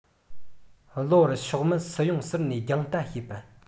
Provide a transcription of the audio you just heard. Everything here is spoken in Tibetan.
གློ བུར ཕྱོགས མི སུ ཡོང ཟུར ནས རྒྱང བལྟས བྱེད པ